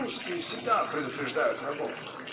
Русские всегда предупреждают врагов!